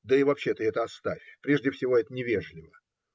Да и вообще ты это оставь; прежде всего, это невежливо.